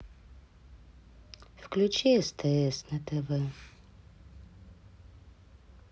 включи стс на тв